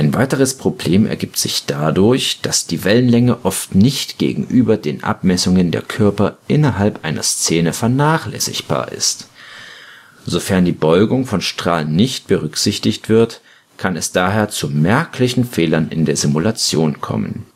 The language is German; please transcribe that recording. weiteres Problem ergibt sich dadurch, dass die Wellenlänge oft nicht gegenüber den Abmessungen der Körper innerhalb einer Szene vernachlässigbar ist. Sofern die Beugung von Strahlen nicht berücksichtigt wird, kann es daher zu merklichen Fehlern in der Simulation kommen